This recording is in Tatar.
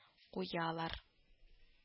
Куялар